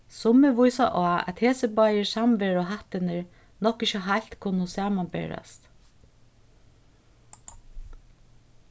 summi vísa á at hesir báðir samveruhættirnir nokk ikki heilt kunnu samanberast